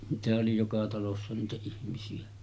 niitähän oli joka talossa niitä ihmisiä